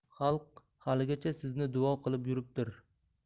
xalq haligacha sizni duo qilib yuribdir